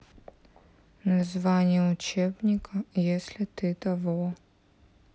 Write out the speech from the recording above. название учебника если ты того